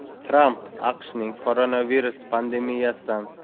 tramp aqshning koronavirus pandemiyasidan